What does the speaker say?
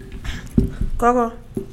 Kɔkɔ